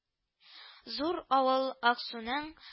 Зур авыл Аксуның